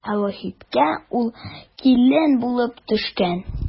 Ә Вахитка ул килен булып төшкән.